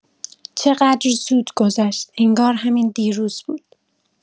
چقدر زود گذشت انگار همین دیروز بود